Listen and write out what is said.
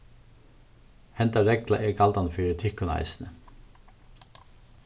henda regla er galdandi fyri tykkum eisini